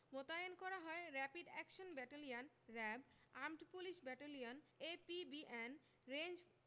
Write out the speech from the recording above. মোতায়েন করা হয় rapid action battalion RAB armed police battalion APBN range